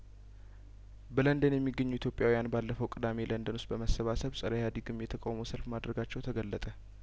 በለንደን የሚገኙ ኢትዮጵያዊያን ባለፈው ቅዱሜ ለንደን ውስጥ በመሰባሰብ ጸረ ኢህአዴግም የተቃውሞ ሰልፍ ማድረጋቸው ተገለጠ